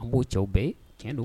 An k'o cɛw bɛɛ ye, tiɲɛ do.